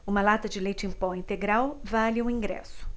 uma lata de leite em pó integral vale um ingresso